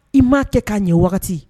I m'a kɛ k'a ɲɛ